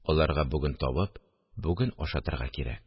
Аларга бүген табып, бүген ашатырга кирәк